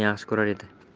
yaxshi ko'rar edi